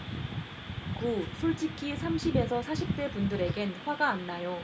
구 솔직히 삼십 에서 사십 대 분들에겐 화가 안 나요